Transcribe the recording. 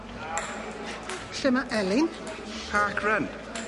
Lle ma' Elin. Park run.